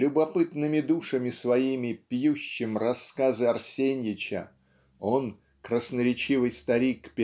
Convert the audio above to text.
любопытными душами своими пьющим рассказы Арсенича он красноречивый старик